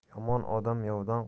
yomon odam yovdan qochar